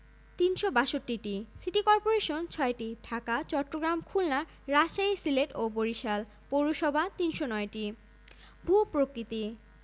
বার্ষিক বৃষ্টিপাত ১হাজার ১৯৪ থেকে ৩হাজার ৪৫৪ মিলিমিটার